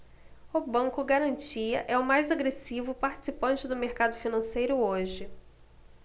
o banco garantia é o mais agressivo participante do mercado financeiro hoje